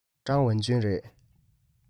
ཀྲང ཝུན ཅུན རེད